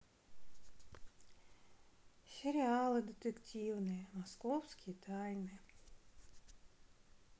сериалы детективные московские тайны